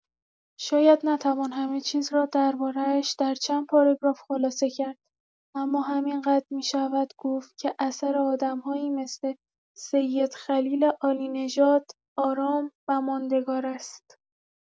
شاید نتوان همه چیز را درباره‌اش در چند پاراگراف خلاصه کرد، اما همین قدر می‌شود گفت که اثر آدم‌هایی مثل سید خلیل عالی‌نژاد، آرام و ماندگار است؛